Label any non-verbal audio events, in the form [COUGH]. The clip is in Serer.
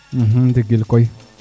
[HESITATION] ndigil koy